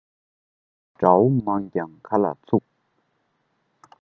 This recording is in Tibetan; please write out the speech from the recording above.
དགྲ བོ མང ཡང ག ལ ཚུགས